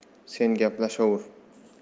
sen gaplashovur